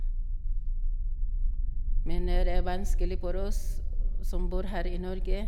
Men er det vanskelig for oss som bor her i Norge.